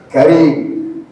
Ka